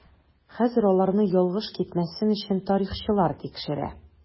Хәзер аларны ялгыш китмәсен өчен тарихчылар тикшерә.